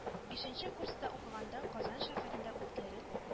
Бишенче курста укыганда Казан шәһәрендә үткәрел